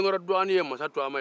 denkɔrɔ dɔgɔnin ye masa tɔgɔma ye